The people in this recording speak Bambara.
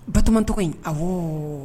Batɔman tɔgɔ in awɔ.